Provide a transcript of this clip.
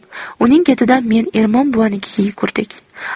uning ketidan men ermon buvanikiga yugurdik